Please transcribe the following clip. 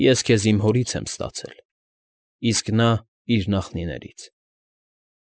Ես քեզ իմ հորից եմ ստացել, իսկ նա՝ իր նախնիներից։